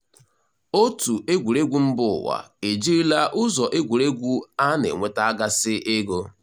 Otu egwuregwu mba ụwa ejirila ụzọ egwuregwu a na-enweta gasị ego.